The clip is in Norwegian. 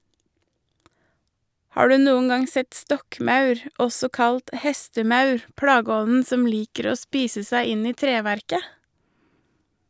Har du noen gang sett stokkmaur, også kalt hestemaur, plageånden som liker å spise seg inn i treverket?